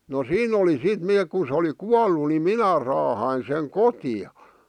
no siinä oli sitten ne kun se oli kuollut niin minä raahasin sen kotiin